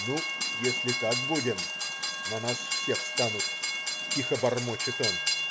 "Ну, если так будем, на нас все встанут",- тихо бормочет он.